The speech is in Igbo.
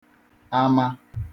ama